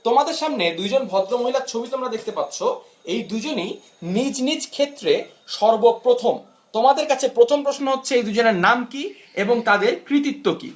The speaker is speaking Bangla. তোমাদের সঙ্গে দুজন ভদ্রমহিলার ছবি তোমরা দেখতে পাচ্ছ এ দুজনেই নিজ নিজ ক্ষেত্রে সর্বপ্রথম তোমাদের কাছে প্রথম প্রশ্ন হচ্ছে এ দুজনের নাম কি এবং তাদের কৃতিত্ব কি